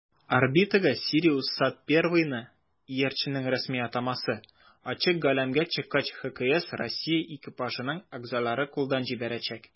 Орбитага "СириусСат-1"ны (иярченнең рәсми атамасы) ачык галәмгә чыккач ХКС Россия экипажының әгъзалары кулдан җибәрәчәк.